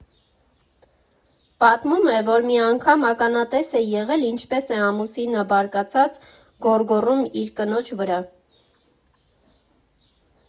Պատմում է, որ մի անգամ ականատես է եղել, ինչպես էր ամուսինը բարկացած գոռգոռում իր կնոջ վրա.